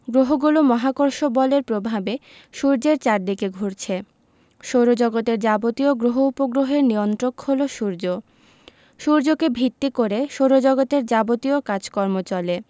গ্রহগুলো মহাকর্ষ বলের প্রভাবে সূর্যের চারদিকে ঘুরছে সৌরজগতের যাবতীয় গ্রহ উপগ্রহের নিয়ন্ত্রক হলো সূর্য সূর্যকে ভিত্তি করে সৌরজগতের যাবতীয় কাজকর্ম চলে